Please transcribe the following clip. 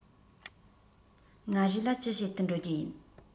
མངའ རིས ལ ཅི བྱེད དུ འགྲོ རྒྱུ ཡིན